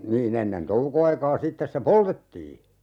niin ennen toukoaikaa sitten se poltettiin